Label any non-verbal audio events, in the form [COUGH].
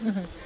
[HESITATION] [HESITATION]